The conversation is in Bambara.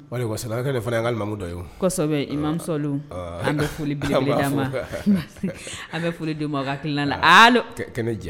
Ba sabarakakɛ de fana yemusɛbɛ i mamilen an bɛ foli ma an bɛ foli di mɔgɔkila jɛ